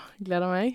Gleder meg.